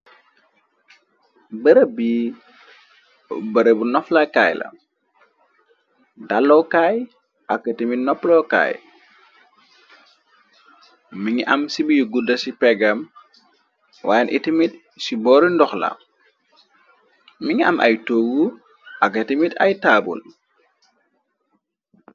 Bërëb bi bërëbbu noflakaay la, dalookaay ak itimit nopplokaay. Mingi am cibii yu gudda ci pegam, waayen itimit ci boori ndoxla. Mingi am ay toogu ak itimit ay taabul.